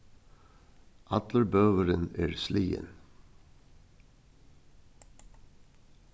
allur bøurin er sligin